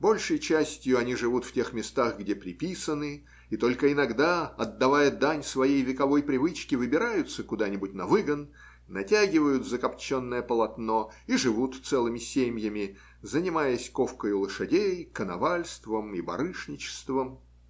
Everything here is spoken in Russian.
большей частью они живут в тех местах, где приписаны, и только иногда, отдавая дань своей вековой привычке, выбираются куда-нибудь на выгон, натягивают закопченное полотно и живут целыми семьями, занимаясь ковкою лошадей, коновальством и барышничеством.